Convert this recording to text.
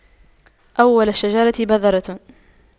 أول الشجرة بذرة